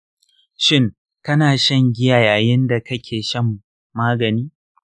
shin kana shan giya yayin da kake kan shan magani?